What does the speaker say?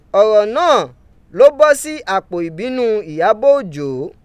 Ọrọ naa lo bọ si apo ibinu Iyabo Ojo.